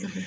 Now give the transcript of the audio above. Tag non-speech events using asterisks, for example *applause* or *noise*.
*hesitation* *hesitation*